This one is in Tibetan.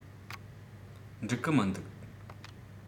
འགྲིག གི མི འདུག